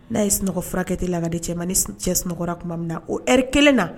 N'a ye sunɔgɔ furakɛkɛte lagadi cɛ ma ni cɛ sunɔgɔra tuma min na o ri kelen na